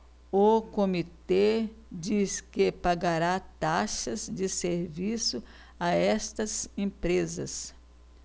o comitê diz que pagará taxas de serviço a estas empresas